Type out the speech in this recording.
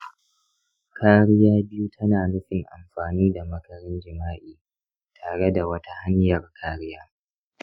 kariya biyu tana nufin amfani da makarin jima’i tare da wata hanyar kariya.